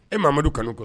E Mamadu kanu kɔrɔ.